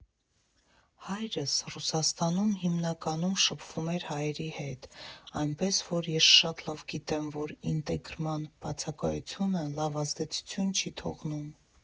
֊ Հայրս Ռուսաստանում հիմնականում շփվում էր հայերի հետ, այնպես որ ես շատ լավ գիտեմ, որ ինտեգրման բացակայությունը լավ ազդեցություն չի թողնում»։